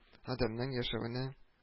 Адәмнең яшәвенә